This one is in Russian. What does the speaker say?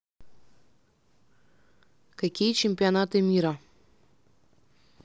какие чемпионаты мира